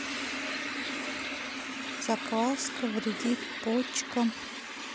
закваска вредит почкам